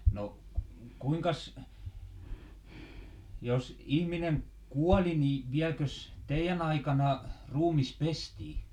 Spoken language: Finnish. no kuinkas jos ihminen kuoli niin vieläkös teidän aikana ruumis pestiin